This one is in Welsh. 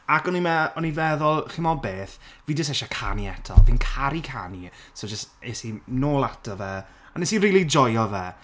ac o'n i'n me- o'n i feddwl, chimo beth fi jyst isie canu eto fi'n caru canu so jyst es i nôl ato fe a wnes i rili joio fe